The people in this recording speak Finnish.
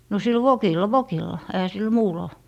no sillä vokilla vokilla eihän sillä muulla